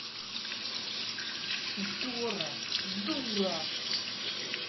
дора дура